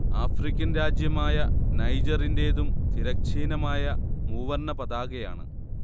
African രാജ്യമായ നൈജറിന്റേതും തിരശ്ചീനമായ മൂവർണ്ണ പതാകയാണ്